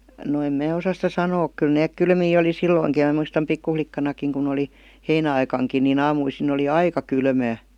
no en minä osaa sitä sanoa kyllä ne kylmiä oli silloinkin ja minä muistan pikkulikkanakin kun oli heinäaikaankin niin aamuisin oli aika kylmää